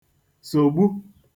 sògbu